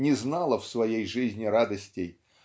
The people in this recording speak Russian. не знало в своей жизни радостей